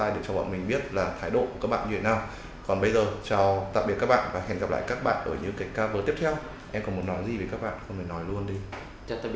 cho bọn mình biết thái độ của mấy bạn như thế nào còn bây giờ tạm biệt các bạn hẹn gặp lại các bạn ở những cái cover tiếp theo em còn muốn nói gì với các bạn nói luôn đi